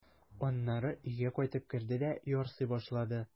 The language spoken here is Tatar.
Аннары өйгә кайтып керде дә ярсый башлады.